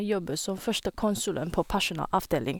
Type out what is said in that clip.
Jobber som førstekonsulent på personalavdeling.